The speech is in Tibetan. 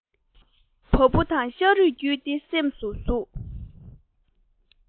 བ སྤུ དང ཤ རུས བརྒྱུད དེ སེམས སུ ཟུག